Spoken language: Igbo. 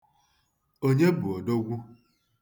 Onye bụ odogwu?